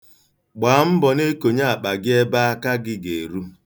Gbaa mbọ na-ekonye akpa gị ebe aka gị ga-eru.